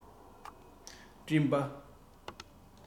སྤྲིན པ